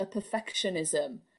Y perfectionism.